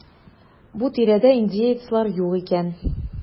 Бу тирәдә индеецлар юк икән.